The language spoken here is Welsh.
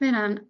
ma' ynna'n